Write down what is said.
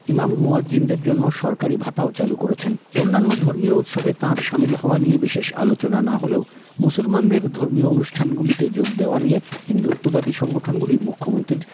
ইমাম মুয়াজ্জিন এর জন্য সরকারি ভাতা ও চালু করেছেন অন্যান্য ধর্মীয় উৎসবে তার সামিল হওয়া নিয়ে বিশেষ না হলেও মুসলমানদের ধর্মীয় অনুষ্ঠান গুলোতে যোগ দেয়া নিয়ে হিন্দুত্ববাদী সংগঠন গুলির মুখ্যমন্ত্রীর